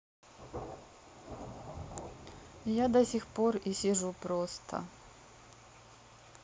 я до сих пор и сижу просто